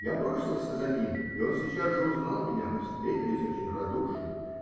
Я бросился за ним, и он сейчас же узнал меня. Мы встретились очень радушно.